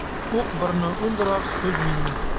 o'q birni o'ldirar so'z mingni